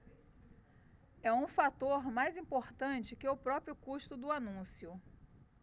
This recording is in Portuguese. é um fator mais importante que o próprio custo do anúncio